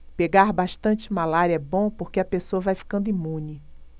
pegar bastante malária é bom porque a pessoa vai ficando imune